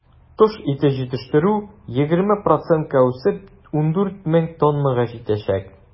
Кош ите җитештерү, 20 процентка үсеп, 14 мең тоннага җитәчәк.